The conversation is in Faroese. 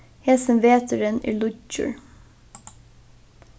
hesin veturin er lýggjur